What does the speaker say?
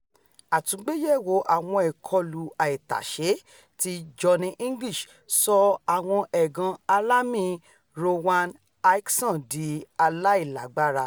Àtúngbéyẹ̀wò Àwọn Ìkọlu Àìtàṣé ti Johnny English - sọ ẹ̀gàn alamí Rowan Atkinson di aláìlágbára